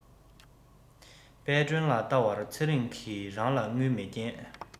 དཔལ སྒྲོན ལ བལྟ བར ཚེ རིང གི རང ལ དངུལ མེད རྐྱེན